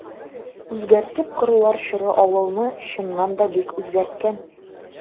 Үзгәртеп корулар чоры авылны, чыннан да, бик үзгәрткән.